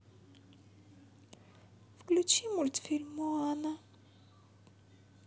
включи мультфильм моана